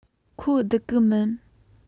ཁོ བསྡུག གི མིན